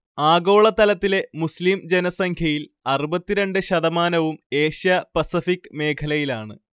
ആഗോളതലത്തിലെ മുസ്ലിം ജനസംഖ്യയിൽ അറുപത്തിരണ്ട് ശതമാനവും ഏഷ്യ-പസഫിക് മേഖലയിലാണ്